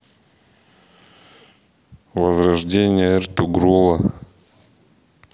возрождение эртугрула